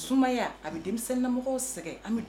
Musomanya a bɛ denmisɛn namɔgɔ sɛgɛn